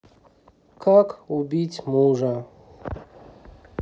как убить мужа